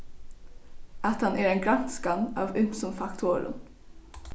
at hann er ein granskan av ymsum faktorum